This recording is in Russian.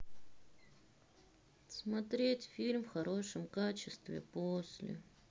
смотреть фильм в хорошем качестве после